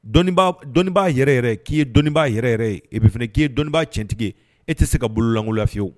Dɔnni dɔnniibaa yɛrɛ k'i ye dɔnniibaa yɛrɛ e bɛ fana k'i ye dɔnniibaa tiɲɛtigi e tɛ se ka bolo lan lafiyewu